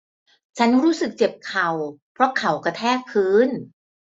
ฉันรู้สึกเจ็บเข่าเพราะเข่ากระแทกพื้น